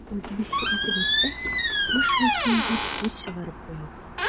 Үзебезчә итеп әйтсәк, каш ясыйм дип, күз чыгарып куябыз.